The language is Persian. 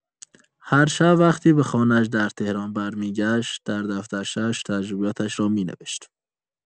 هر شب، وقتی به خانه‌اش در تهران برمی‌گشت، در دفترچه‌اش تجربیاتش را می‌نوشت.